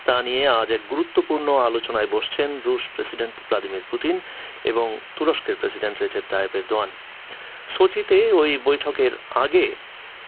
তা নিয়ে আজ গুরুত্বপূর্ণ আলোচনা বলছে রুশ প্রেসিডেন্ট ভ্লাদিমির পুতিন এবং তুরস্কের প্রেসিডেন্ট রিসেপ তাইপ এরদোয়ান সোচিতে ওই বৈঠকের আগে